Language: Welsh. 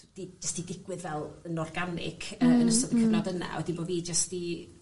di- jyst 'di digwydd fel yn organic... Hmm hmm. ... yy yn ystod y cyfnod yna a wedyn bo' fi jyst 'di